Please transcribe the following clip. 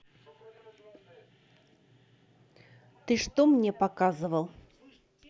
ты что мне показывал